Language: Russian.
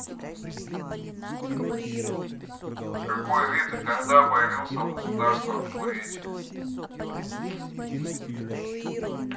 какой вид и когда появился в государствах двуречья